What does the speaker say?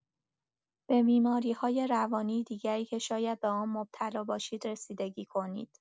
به بیماری‌های روانی دیگری که شاید به آن مبتلا باشید رسیدگی کنید.